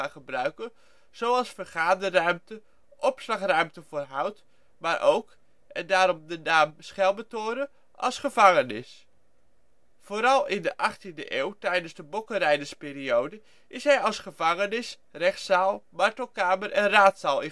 gebruiken, zoals vergaderruimte, opslagruimte voor hout, maar ook - en daarom de naam Schelmentoren - als gevangenis. Vooral in de 18e eeuw, tijdens de Bokkenrijdersperiode, is hij als gevangenis, rechtszaal, martelkamer en raadzaal